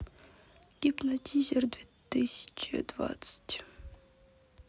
гипнотизер две тысячи двенадцать